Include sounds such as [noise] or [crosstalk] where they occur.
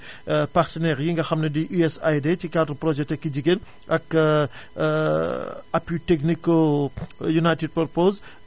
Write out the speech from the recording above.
[inhales] [hesitation] partenaires yii nga xam ne di USAID ci cadre projet tekki jigéen ak [hesitation] appui technique United Propos